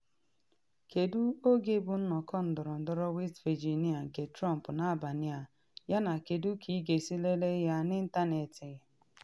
Kedu oge bụ nnọkọ ndọrọndọrọ West Virginia nke Trump n’abalị a, yana kedu ka ị ga-esi lelee ya n’ịntanetị.